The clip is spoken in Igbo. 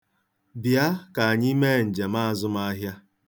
Bịa ka anyị mee njem azụmahịa.